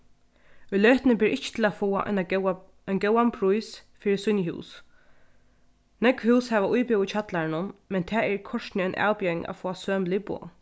í løtuni ber ikki til at fáa eina góða ein góðan prís fyri síni hús nógv hús hava íbúð í kjallaranum men tað er kortini ein avbjóðing at fáa sømilig boð